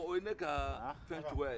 o ye ne ka fɛn cogoya ye